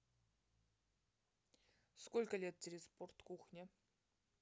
сколько лет телеспорт кухня